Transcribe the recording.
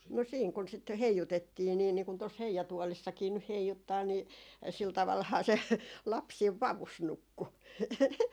no siinä kun sitä heijutettiin niin niin kuin tuossa heijatuolissakin nyt heijuttaa niin sillä tavallahan se lapsi siinä vavussa nukkui